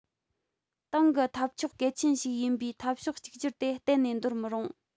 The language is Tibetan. ཏང གི ཐབས མཆོག གལ ཆེན ཞིག ཡིན པའི འཐབ ཕྱོགས གཅིག གྱུར དེ གཏན ནས འདོར མི རུང